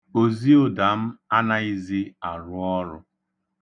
Oziụda m anaghịzi aru ọrụ.